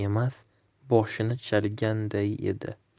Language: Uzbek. emas boshini chalganday edi